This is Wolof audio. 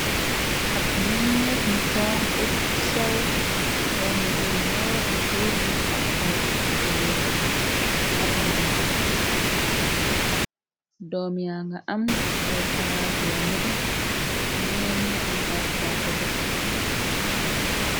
Ab meñeef mu xonku sew doomyu bari loo nu jorku ci ab palaat mu jogee ci ab ganja doomi ya nga am ay palaat yoo nete yeneen yi am ay xonku kese.